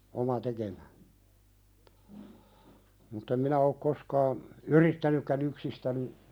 oma tekemä mutta en minä ole koskaan yrittänytkään yksistäni